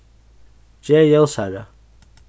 ger ljósari